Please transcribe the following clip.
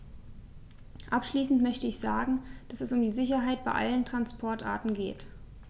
Abschließend möchte ich sagen, dass es um die Sicherheit bei allen Transportarten geht.